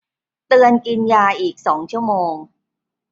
เตือนกินยาอีกสองชั่วโมง